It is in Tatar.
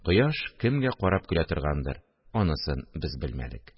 Кояш кемгә карап көлә торгандыр – анысын без белмәдек